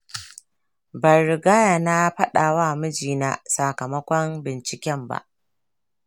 ban riga na faɗawa mijina sakamakon binciken ba.